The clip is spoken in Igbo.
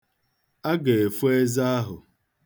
A ga-efo eze ahụ.